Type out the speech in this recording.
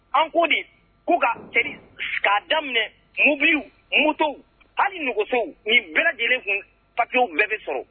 An ko di ko ka c'est à dire ka daminɛ mɔbiliw, motow hali hall nɛgɛsow ni bɛɛ lajɛlen kun papiers bɛɛ bɛ sɔrɔ.